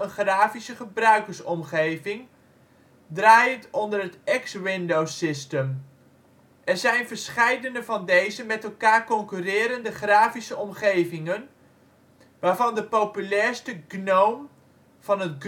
grafische gebruikersomgeving, draaiend onder het X Window System. Er zijn verscheidene van deze met elkaar concurrerende grafische omgevingen, waarvan de populairste GNOME (van het